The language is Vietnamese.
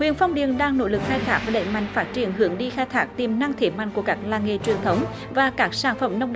huyện phong điền đang nỗ lực khai thác và đẩy mạnh phát triển hướng đi khai thác tiềm năng thế mạnh của các làng nghề truyền thống và các sản phẩm nông